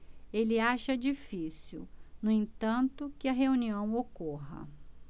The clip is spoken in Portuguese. ele acha difícil no entanto que a reunião ocorra